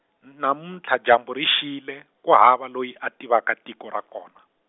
n- namuntlha dyambu ri xile, ku hava loyi a tivaka tiko ra kona.